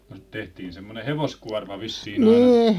no tehtiin semmoinen hevoskuorma vissiin aina